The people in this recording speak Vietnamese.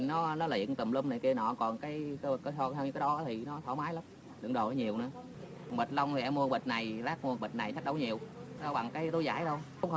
nó nó liệm tùm lum này kia nọ còn cái hơn cái đó thì nó thoải mái lắm đựng đồ nó nhiều nữa bịch lông thì em mua bịch này lát mua bịch này hết đâu có nhiều có bằng cái túi dải đâu